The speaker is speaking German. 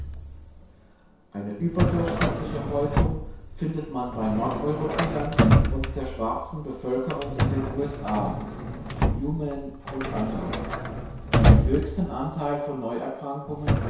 Häufung findet man bei Nordeuropäern und der schwarzen Bevölkerung in den USA. (Newman et. al.) Den höchste Anteil von Neuerkrankungen